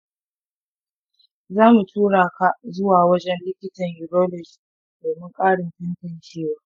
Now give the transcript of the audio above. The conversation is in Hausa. za mu tura ka zuwa wajen likitan urology domin ƙarin tantancewa.